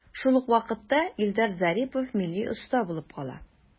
Шул ук вакытта Илдар Зарипов милли оста булып кала.